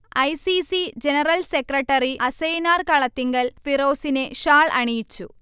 I. C. C general secretary Asainar Kalathingal ഫിറോസിനെ ഷാൾ അണിയിച്ചു